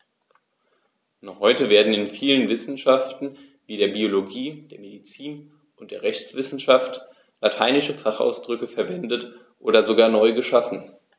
Noch heute werden in vielen Wissenschaften wie der Biologie, der Medizin und der Rechtswissenschaft lateinische Fachausdrücke verwendet und sogar neu geschaffen.